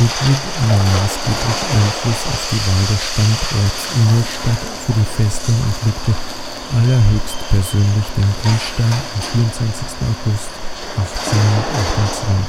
Ludwig nahm maßgeblich Einfluss auf die Wahl des Standorts Ingolstadt für die Festung und legte „ allerhöchstpersönlich “den Grundstein am 24. August 1828